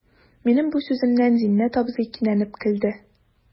Минем бу сүземнән Зиннәт абзый кинәнеп көлде.